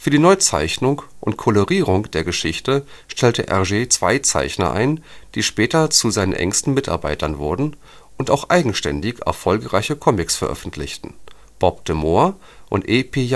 die Neuzeichnung und Colorierung der Geschichte stellte Hergé zwei Zeichner ein, die später zu seinen engsten Mitarbeitern wurden und auch eigenständig erfolgreiche Comics veröffentlichten: Bob de Moor und E. P. Jacobs